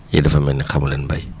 yi dafa mel ni xamu leen mbay